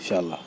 incha allah